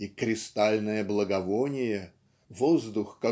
и "кристальное благовоние воздух